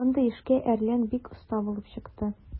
Мондый эшкә "Әрлән" бик оста булып чыкты.